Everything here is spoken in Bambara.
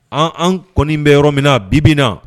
An kɔni bɛ yɔrɔ min na bibi na